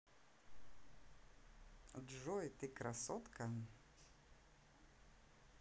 джой ты красотка